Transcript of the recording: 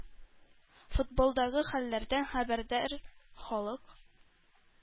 Футболдагы хәлләрдән хәбәрдар халык